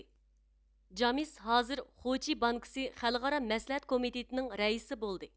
جامېس ھازىر خۇچىي بانكىسى خەلقئارا مەسلىھەت كومىتېتىنىڭ رەئىسى بولدى